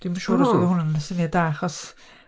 Dwi'm yn siŵr os odd hwn yn syniad da, achos